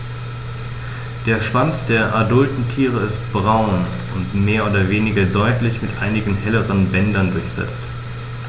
Der Schwanz der adulten Tiere ist braun und mehr oder weniger deutlich mit einigen helleren Bändern durchsetzt.